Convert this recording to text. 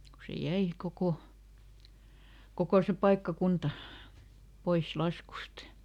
kun se jäi koko koko se paikkakunta pois laskuista